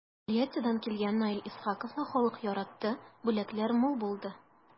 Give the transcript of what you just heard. Тольяттидан килгән Наил Исхаковны халык яратты, бүләкләр мул булды.